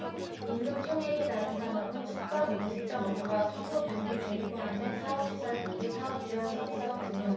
임금총액이 낮은 산업은 숙박 음식점업과 청소 경비 등이 포함된 사업시설관리 사업지원서비스업 등이었다